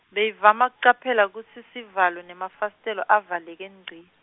Beyivama kucaphela kutsi sivalo nemafasitelo avaleke ngci.